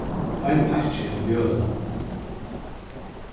ein pakki av mjøli